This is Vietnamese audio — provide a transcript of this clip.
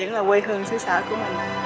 vẫn là quê hương xứ sở của